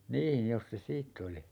niin jos se siitä oli